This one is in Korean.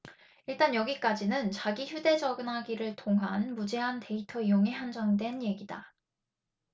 일단 여기까지는 자기 휴대전화기를 통한 무제한 데이터 이용에 한정된 얘기다